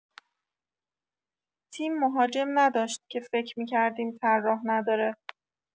تیم مهاجم نداشت که فک می‌کردیم طراح نداره